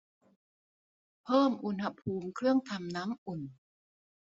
เพิ่มอุณหภูมิเครื่องทำน้ำอุ่น